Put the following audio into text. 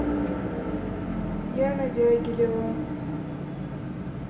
яна дягилева